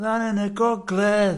Lan yn y Gogledd.